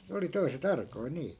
ne oli toiset arkoja niin